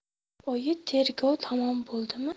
oyi tergov tamom bo'ldimi